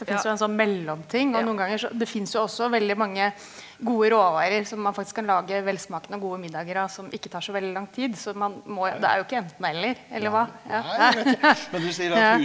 det fins jo en sånn mellomting og noen ganger så det fins jo også veldig mange gode råvarer som man faktisk kan lage velsmakende og gode middager av som ikke tar så veldig lang tid, så man må det er jo ikke enten eller, eller hva ja.